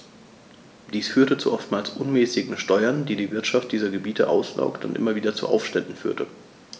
Dies führte zu oftmals unmäßigen Steuern, die die Wirtschaft dieser Gebiete auslaugte und immer wieder zu Aufständen führte.